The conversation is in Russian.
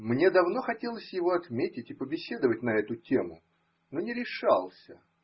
мне давно хотелось его отметить и побеседовать на эту тему, но не решался.